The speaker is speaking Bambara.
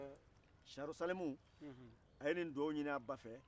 siyanro salimu ye nin dugawu ɲini a ba fɛ